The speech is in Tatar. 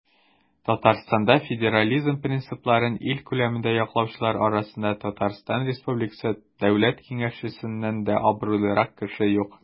Татарстанда федерализм принципларын ил күләмендә яклаучылар арасында ТР Дәүләт Киңәшчесеннән дә абруйлырак кеше юк.